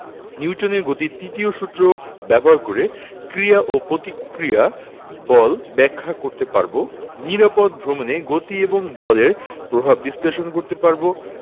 নিউটনের গতির তৃতীয় সূত্র ব্যবহার করে ক্রিয়া ও প্রতিক্রিয়া বল ব্যাখ্যা করতে পারব নিরাপদ ভ্রমণে গতি এবং বলের প্রভাব বিশ্লেষণ করতে পারব